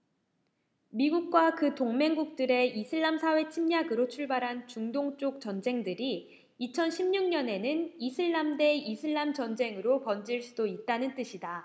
미국과 그 동맹국들의 이슬람사회 침략으로 출발한 중동 쪽 전쟁들이 이천 십 육 년에는 이슬람 대 이슬람 전쟁으로 번질 수도 있다는 뜻이다